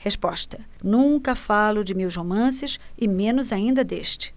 resposta nunca falo de meus romances e menos ainda deste